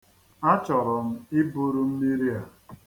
Achọrọ m iburu mmiri a.